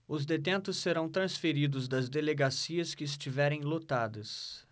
os detentos serão transferidos das delegacias que estiverem lotadas